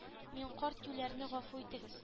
Мин карт юләрне гафу итегез